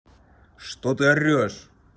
что ты орешь